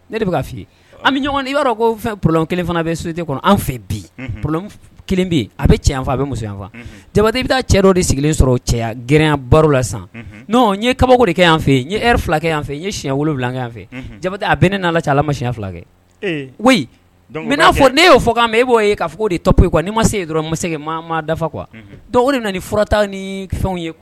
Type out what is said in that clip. P kelen fɛ p a bɛ musofabaden i bɛ taa cɛ dɔ de sigilen sɔrɔ cɛya g baro la sisan ye kabako de kɛ an fɛ ye fila kɛ an fɛ n ye siɲɛ wolo wolonwula an fɛ jaba a bɛ ne' masiya fila kɛ koyi na fɔ ne y' fɔ k' ma b'o ye'a fɔ o de tɔ to yen kuwa'i ma se dɔrɔn ma se mama dafa qu dɔgɔnin nana ni furata ni fɛn ye